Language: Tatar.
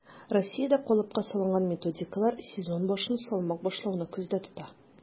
Россиядә калыпка салынган методикалар сезон башын салмак башлауны күздә тота: